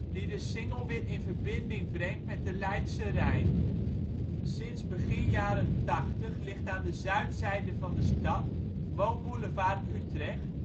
die de singel weer in verbinding brengt met de Leidse Rijn. Sinds begin jaren 80 ligt aan de zuidzijde van de stad Woonboulevard Utrecht